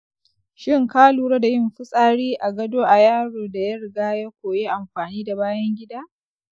shin ka lura da yin fitsari a gado a yaron daya riga ya koyi amfani da bayan gida?